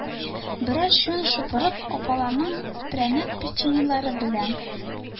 Берәр чуен шупырып, апаларының прәннек-печеньеларе белән